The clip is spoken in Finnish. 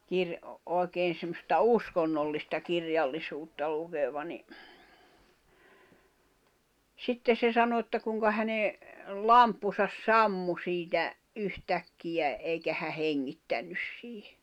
- oikein semmoista uskonnollista kirjallisuutta lukeva niin sitten se sanoi että kuinka hänen lamppunsa sammui siitä yhtäkkiä eikä hän hengittänyt siihen